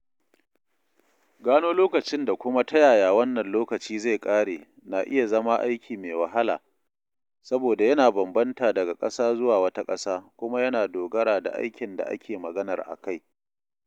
Gano lokacin da kuma ta yaya wannan lokaci zai ƙare na iya zama aiki mai wahala saboda yana bambanta daga ƙasa zuwa wata ƙasa kuma yana dogara da aikin da ake maganar akai.